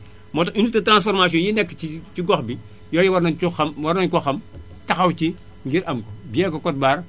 moo tax unité transformation yi nekk ci ci gox bi yooyu war nañu cee xam war nañu ko xam taxaw ci ngir am bien que code barre